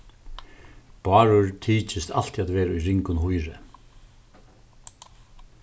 bárður tykist altíð at vera í ringum hýri